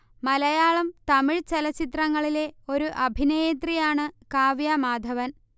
മലയാളം തമിഴ് ചലച്ചിത്രങ്ങളിലെ ഒരു അഭിനയത്രിയാണ് കാവ്യ മാധവൻ